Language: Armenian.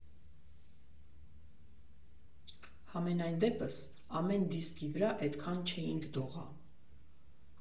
Համենայն դեպս, ամեն դիսկի վրա էդքան չէինք դողա։